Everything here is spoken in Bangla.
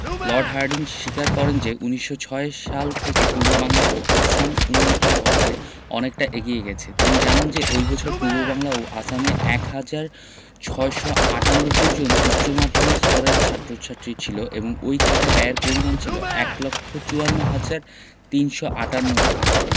লর্ড হার্ডিঞ্জ স্বীকার করেন যে ১৯০৬ সাল থেকে পূর্ববাংলা ও আসাম উন্নতির পথে অনেকটা এগিয়ে গেছে তিনি জানান যে ওই বছর পূর্ববাংলা ও আসামে ১ হাজার ৬৯৮ জন উচ্চ মাধ্যমিক স্তরের ছাত্র ছাত্রী ছিল এবং ওই খাতে ব্যয়ের পরিমাণ ছিল ১ লক্ষ ৫৪ হাজার ৩৫৮ টাকা